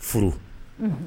Furu